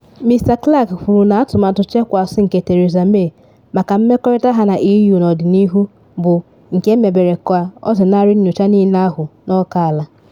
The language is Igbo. Mr Clark kwuru na atụmatụ Chequers nke Theresa May maka mmekọrịta ha na EU n’ọdịnihu bụ “nke emebere ka ọ zenarị nyocha niile ahụ n’oke ala.”